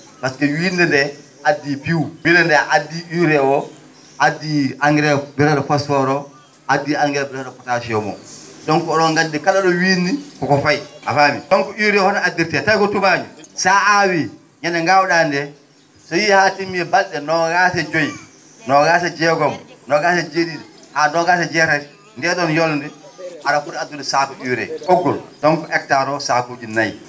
pasque winnde ndee addii piiw winnde ndee addi UREE o addi engrais biyetee?o phosphore o addi engrais biyetee?o potasium o donc o?on nganndi kala ?o wiinni ko ko fayi a faamii holko UREE o hono addirte tawii ko tubaañoo so a aawii ñannde ngaaw?aa ndee so yehii haa timmii bal?e noogaas e joyi noogaas e jeegom noogaas e jee?i?i haa noogaas e jeetati ndee ?oon yolnde a?a foti addude saaku UREE ?oggol donc hectare o saakuuji nayi